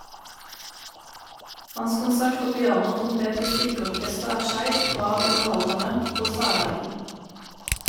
Hans konsert for piano, trompet og strykeorkester er skeiv, rar, underhaldande og særeigen.